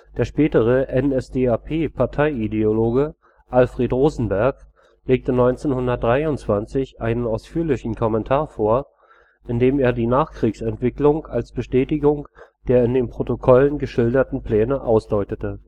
Der spätere NSDAP-Parteiideologe Alfred Rosenberg legte 1923 einen ausführlichen Kommentar vor, in dem er die Nachkriegsentwicklung als Bestätigung der in den Protokollen geschilderten Pläne ausdeutete